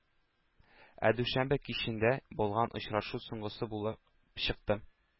Ә дүшәмбе кичендә булган очрашу соңгысы булып чыкты.